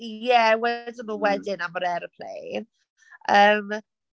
Ie wedon nhw wedyn am yr aeroplane. Yym...